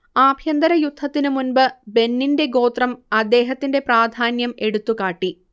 ആഭ്യന്തര യുദ്ധത്തിനു മുൻപ് ബെന്നിന്റെ ഗോത്രം അദ്ദേഹത്തിന്റെ പ്രാധാന്യം എടുത്തുകാട്ടി